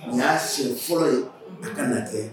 N y'a sen fɔlɔ ye a ka natɛ